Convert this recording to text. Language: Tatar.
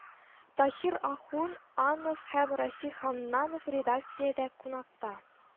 Таһир Ахун анов һәм Расих Ханнанов редакциядә кунакта